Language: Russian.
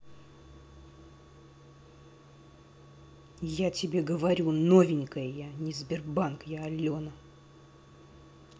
я тебе говорю новенькая я не sberbank я алена